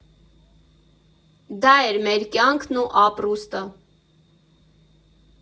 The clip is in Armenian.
Դա էր մեր կյանքն ու ապրուստը։